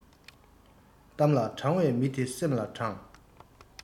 གཏམ ལ དྲང བའི མི དེ སེམས ལ དྲང